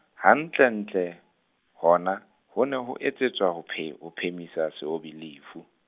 hantle ntle, hona, ho ne ho etsetswa ho phe-, ho phemisa seobi lefu.